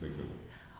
dëgg la